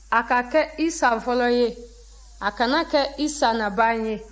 a ka kɛ i san fɔlɔ ye a kana kɛ i san naban ye